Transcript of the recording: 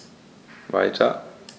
Weiter.